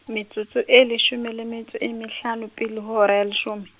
metsotso e leshome le metso e mehlano pele hora ya leshome.